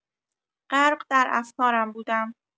غرق در افکارم بودم.